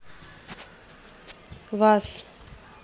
вас